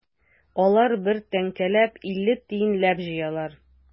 Алар бер тәңкәләп, илле тиенләп җыялар.